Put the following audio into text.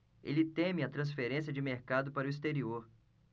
ele teme a transferência de mercado para o exterior